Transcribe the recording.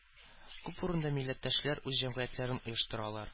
Күп урында милләттәшләр үз җәмгыятьләрен оештыралар